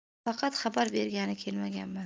faqat xabar bergani kelmaganman